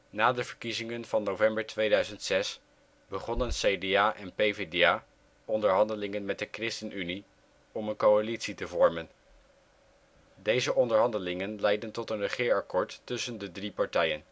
Na de verkiezingen van november 2006 begonnen CDA en PvdA onderhandelingen met de ChristenUnie om een coalitie te vormen. Deze onderhandelingen leidden tot een regeerakkoord tussen de drie partijen